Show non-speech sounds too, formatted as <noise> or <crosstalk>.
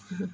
<hesitation> <hesitation>